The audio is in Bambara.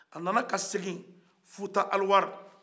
a nana ka segin futa aliwari